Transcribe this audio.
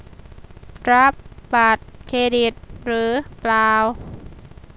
รับบัตรเครดิตหรือเปล่า